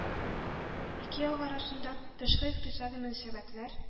Ике як арасында тышкы икътисади мөнәсәбәтләр